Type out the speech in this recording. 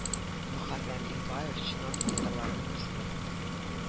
Мөхәррәм илбаев чиновник татарларның берсе